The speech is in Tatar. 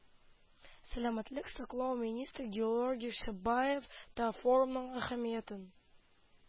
Сәламәтлек саклау министр Георгий Шебаев та форумның әһәмиятен